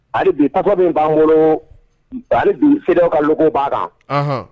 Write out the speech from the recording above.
Ali bi pa min b'an wolo ali bi sew ka l b'a kan